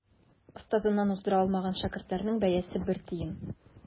Остазыннан уздыра алмаган шәкертнең бәясе бер тиен.